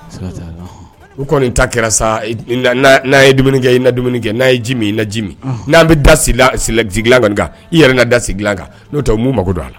U kɔni ta kɛra sa n' ye dumuni kɛ i la dumuni kɛ n'a ye jimi i lajimi n' bɛ da kan i yɛrɛ n ka da sigi dilan kan n'o tɛ mu mako don a la